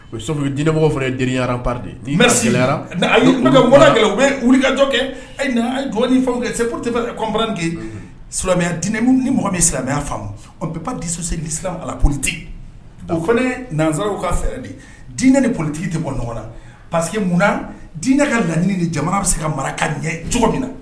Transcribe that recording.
O ye diinɛbagaw fɛ ye denyaradenyara ka kɛ u bɛ wulikajɔ kɛ dɔgɔn fan kɛ se ptebara silamɛya ni mɔgɔ min silamɛya faamu pansose ni ala politigi o fana nanzsaraww ka fɛ deinɛani politigi tɛ bɔ nɔgɔ na pa munna dinɛ ka laini ni jamana bɛ se ka maraka ɲɛ cogo min na